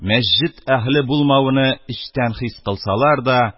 Мәсҗед әһле булмавыны эчтән хис кылсалар